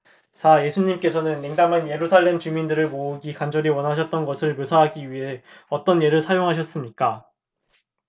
사 예수께서는 냉담한 예루살렘 주민들을 모으기를 간절히 원하셨다는 것을 묘사하기 위해 어떤 예를 사용하셨습니까